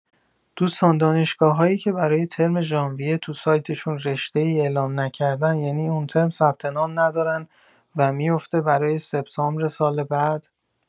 دوستان، دانشگاه‌‌هایی که برای ترم ژانویه تو سایتشون رشته‌ای اعلام نکردن یعنی اون ترم ثبت‌نام ندارن و میوفته برای سپتامبر سال بعد؟